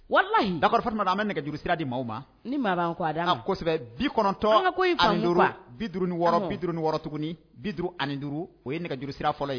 Walayi . d'accord Fatumata an bi nɛgɛjuru sira di maaw ma 95 56 56 O ye nɛgɛuru sira fɔlɔ ye